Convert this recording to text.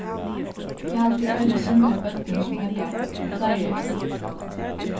eg haldi tað er øgiliga synd í børnum sum eita fleiri eftirnøvn